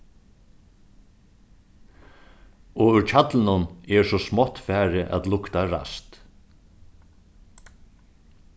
og úr hjallunum er so smátt farið at lukta ræst